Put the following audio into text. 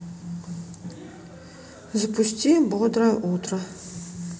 запусти бодрое утро